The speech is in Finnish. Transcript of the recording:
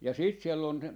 ja sitten siellä on